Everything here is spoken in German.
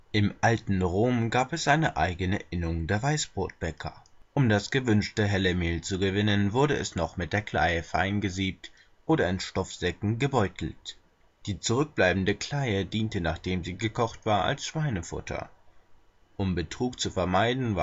im alten Rom gab es eine eigene Innung der Weißbrotbäcker. Um das gewünschte helle Mehl zu gewinnen, wurde es noch mit der Kleie fein gesiebt oder in Stoffsäcken „ gebeutelt “. Die zurückbleibende Kleie diente, nachdem sie gekocht war, als Schweinefutter. Um Betrug zu vermeiden